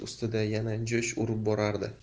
ustida yana jo'sh urib borardi